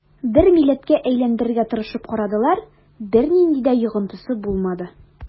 Бер милләткә әйләндерергә тырышып карадылар, бернинди дә йогынтысы булмады.